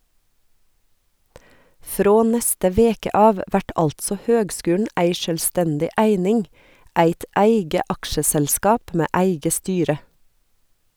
Frå neste veke av vert altså høgskulen ei sjølvstendig eining, eit eige aksjeselskap med eige styre.